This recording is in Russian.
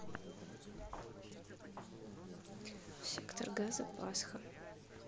сектор газа пасха